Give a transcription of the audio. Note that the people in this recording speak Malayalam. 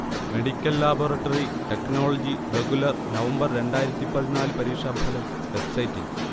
medical laboratory technology regular November രണ്ടായിരത്തി പതിനാല് പരീക്ഷാഫലം വെബ്സൈറ്റിൽ